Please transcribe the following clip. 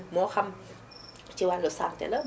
moo xam ci wàllu santé la